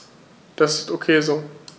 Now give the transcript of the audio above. Das ist ok so.